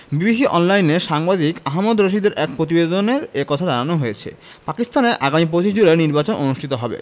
BBC অনলাইনে সাংবাদিক আহমেদ রশিদের এক প্রতিবেদনের এ কথা জানানো হয়েছে পাকিস্তানে আগামী ২৫ জুলাই নির্বাচন অনুষ্ঠিত হবে